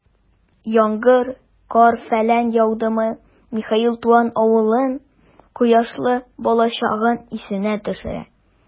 Яңгыр, кар-фәлән яудымы, Михаил туган авылын, кояшлы балачагын исенә төшерә.